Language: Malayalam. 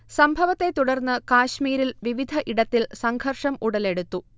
സംഭവത്തെ തുർന്ന് കാശ്മീരിൽ വിവിധ ഇടത്തിൽ സംഘർഷം ഉടലെടുത്തു